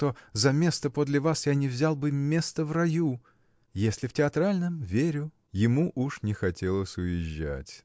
что за место подле вас я не взял бы места в раю. – Если в театральном, верю! Ему уж не хотелось уезжать.